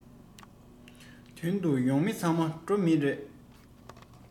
དོན དུ ཡོང མི ཚང མ འགྲོ མི རེད